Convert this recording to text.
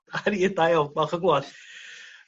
'Na ni da iawn falch o glŵad.